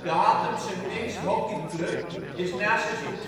Hattemse Mixed Hockey Club is na seizoen